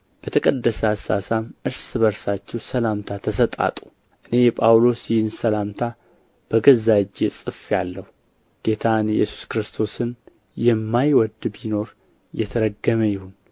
በተቀደሰ አሳሳም እርስ በርሳችሁ ሰላምታ ተሰጣጡ እኔ ጳውሎስ ይህን ሰላምታ በገዛ እጄ ጽፌአለሁ ጌታን ኢየሱስ ክርስቶስን የማይወድ ቢኖር የተረገመ ይሁን